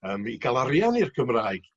yym i ga'l arian i'r Gymraeg